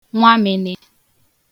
nwamị̄nị̄